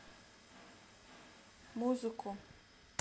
музыку